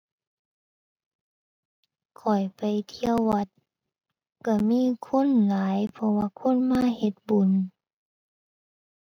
ข้อยไปเที่ยววัด ก็มีคนหลาย เพราะว่าคนมาเฮ็ดบุญ